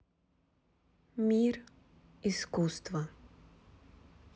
мир искусства